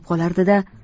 qolardi da